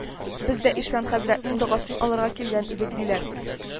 Без дә ишан хәзрәтнең догасын алырга килгән идек, диләр